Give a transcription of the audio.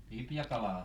lipeäkalaa